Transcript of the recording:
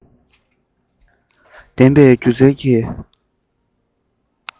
ལྡན པའི སྒྱུ རྩལ གྱི